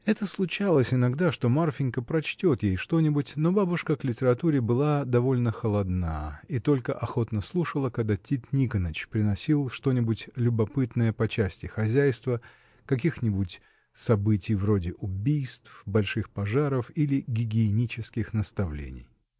Это случалось иногда, что Марфинька прочтет ей что-нибудь: но бабушка к литературе была довольно холодна, и только охотно слушала, когда Тит Никоныч приносил что-нибудь любопытное по части хозяйства, каких-нибудь событий вроде убийств, больших пожаров или гигиенических наставлений.